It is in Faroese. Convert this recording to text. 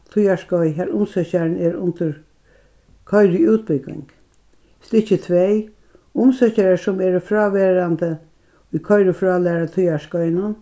tíðarskeið har umsøkjarin er undir koyriútbúgving stykki tvey umsøkjarar sum eru fráverandi í koyrifrálærutíðarskeiðnum